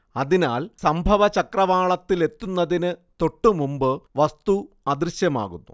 അതിനാൽ സംഭവചക്രവാളത്തിലെത്തുന്നതിന് തൊട്ടുമുമ്പ് വസ്തു അദൃശ്യമാകുന്നു